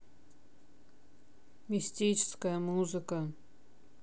мистическая музыка